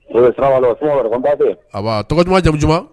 Ɔɔ, salamakuTɔgɔ, somɔgɔ de ?Kɔnni basi tɛ yen? An baa, tɔgɔ duman ? jamu duman ?